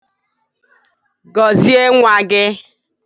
Gọzie nwa gị!